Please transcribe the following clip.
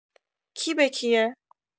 کی به کیه